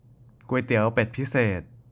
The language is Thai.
ก๋วยเตี๋ยวเป็ดพิเศษ